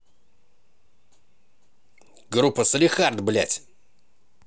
группа салехард блядь